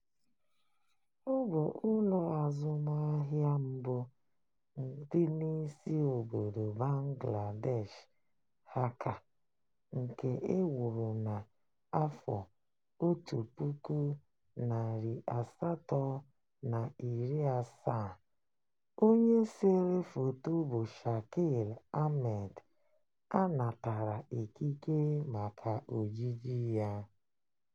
Ọ bụ ụlọ azụmahịa mbụ dị n'isi obodo Bangladesh, Dhaka, nke e wuru na 1870. Onye sere foto bụ Shakil Ahmed, a natara ikike maka ojiji ya.